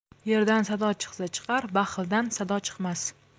yerdan sado chiqsa chiqar baxildan sado chiqmas